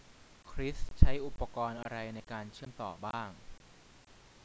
คริสใช้อุปกรณ์อะไรในการเชื่อมต่อบ้าง